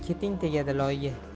keting tegadi loyga